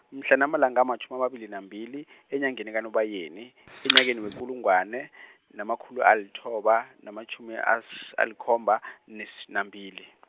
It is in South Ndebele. mhlana amalanga amatjhumi amabili nambili , enyangeni kaNobayeni, enyakeni wekulungwane, namakhulu alithoba, namatjhumi as- alikhomba , nes- nambili.